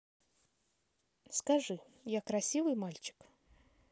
скажи я красивый мальчик